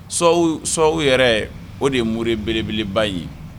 Sɔw yɛrɛ o de ye m ye belebeleba ye